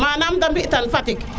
manam de ɓitan Fatick